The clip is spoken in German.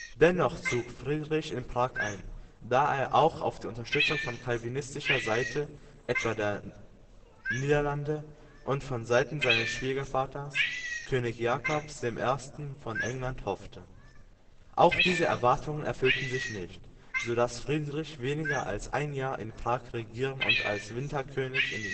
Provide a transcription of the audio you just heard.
Dennoch zog Friedrich in Prag ein, da er auch auf die Unterstützung von calvinistischer Seite, etwa der Niederlande, und von Seiten seines Schwiegervaters, König Jakobs I. von England hoffte. Auch diese Erwartungen erfüllten sich nicht, so dass Friedrich weniger als ein Jahr in Prag regieren und als „ Winterkönig “in